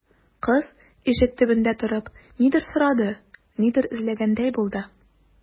Кыз, ишек төбендә торып, нидер сорады, нидер эзләгәндәй булды.